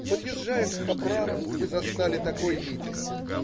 Подъезжая к Хопрам, мы застали такой митинг.